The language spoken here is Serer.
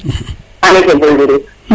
xaye jego njiriñ